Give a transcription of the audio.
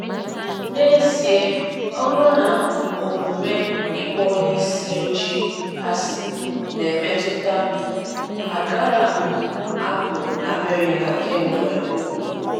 N’ezie, ọ bụrụ na omume ịkpọ onye isi ojii asị na-emetụta m, agaara m apụ na America kemgbe.” o kwuru.